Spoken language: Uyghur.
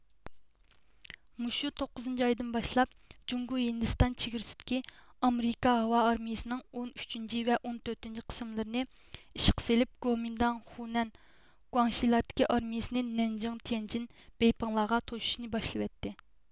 مۇشۇ توققۇزىنچى ئايدىن باشلاپ جۇڭگو ھىندىستان چېگرىسىدىكى ئامېرىكا ھاۋا ئارمىيىسىنىڭ ئون ئۈچىنچى ۋە ئون تۆتىنچى قىسىملىرىنى ئىشقا سېلىپ گومىنداڭنىڭ خۇنەن گۇاڭشىلاردىكى ئارمىيىسىنى نەنجىڭ تيەنجىن بېيپىڭلارغا توشۇشنى باشلىۋەتتى